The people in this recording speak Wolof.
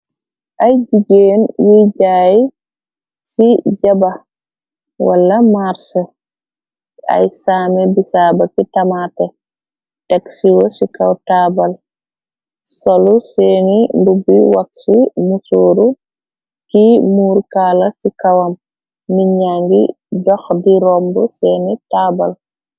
ay jigéen yuy jaay ci jaba wala màrs ay saame bisaaba ki tamate teg siwa ci kaw taabal solu seeni mbubbi waxsi mu sooru ki muur kaala ci kawam ngña ngi jox di romb seeni taabal.